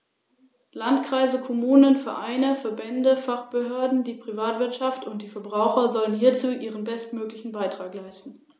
Ein Großteil des Parks steht auf Kalkboden, demnach dominiert in den meisten Gebieten kalkholde Flora.